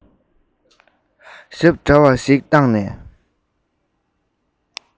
ཞབས འདྲ བ ཞིག བཏགས ནས